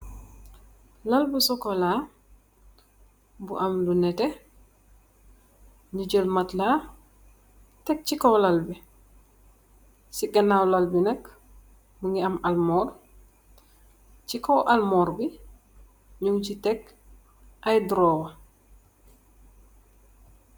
Lal bu chocola bu am lu neteh nyu jel malla tek si kaw lal bi si ganaw lal bi munge am armor si kaw armor bi nyung si tekh aye drawa